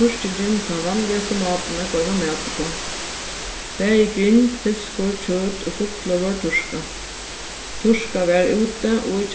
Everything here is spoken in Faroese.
turkingin tann vanligasti mátin at goyma mat uppá bæði grind fiskur kjøt og fuglur vórðu turkað turkað varð úti og í